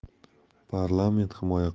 parlament himoya